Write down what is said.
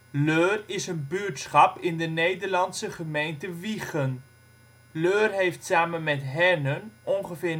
Leur is een buurtschap in de Nederlandse gemeente Wijchen. Leur heeft samen met Hernen ongeveer